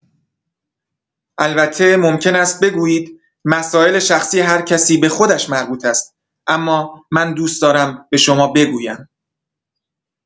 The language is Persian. البته ممکن است بگویید مسائل شخصی هرکسی به خودش مربوط است، اما من دوست دارم به شما بگویم.